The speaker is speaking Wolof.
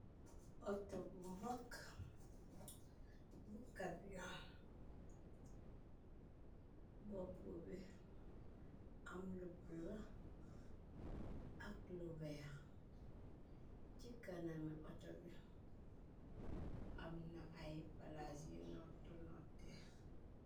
Auto bu mokk bu kabyon, bopp bi am lubbla ak luber, ci kanami auto bi am na ay palasie noto note.